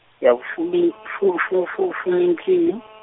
ndi ya vho fumbi, fu- fu- fu- fuminthihi.